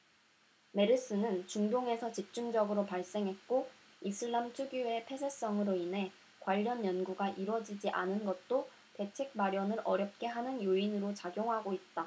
메르스는 중동에서 집중적으로 발생했고 이슬람 특유의 폐쇄성으로 인해 관련 연구가 이뤄지지 않은 것도 대책 마련을 어렵게 하는 요인으로 작용하고 있다